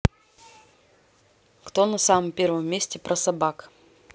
кто на самом первом месте про собак